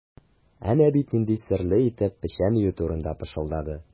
Әнә бит нинди серле итеп печән өю турында пышылдады.